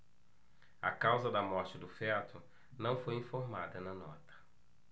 a causa da morte do feto não foi informada na nota